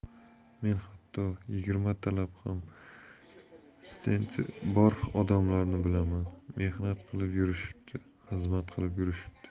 men hatto yigirmatalab ham stenti bor odamlarni bilaman mehnat qilib yurishibdi xizmat qilib yurishibdi